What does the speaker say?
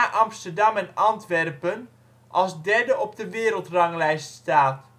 Amsterdam en Antwerpen als derde op de wereldranglijst staat